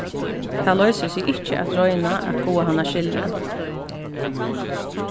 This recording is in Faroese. tað loysir seg ikki at royna at fáa hann at skilja